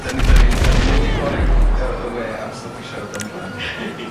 'dan ni, 'dan ni, 'dan ni'n mynd i bori'r w- yy y we am stwff i siarad am rŵan.